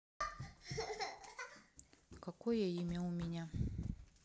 какое имя у меня